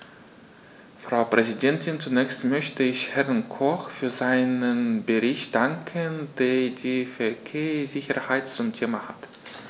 Frau Präsidentin, zunächst möchte ich Herrn Koch für seinen Bericht danken, der die Verkehrssicherheit zum Thema hat.